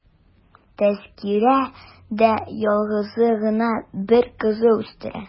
Тәзкирә дә ялгызы гына бер кыз үстерә.